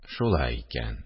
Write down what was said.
Шулай икән